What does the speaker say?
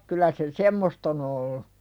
kyllä se semmoista on ollut